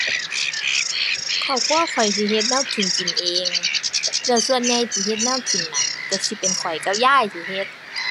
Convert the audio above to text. ครอบครัวข้อยสิเฮ็ดแนวกินกินเอง แล้วส่วนใหญ่ที่เฮ็ดแนวกินน่ะ ก็สิเป็นข้อยกับยายที่เฮ็ด